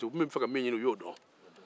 u tun b'a fɛ ka min ɲini u y'o dɔn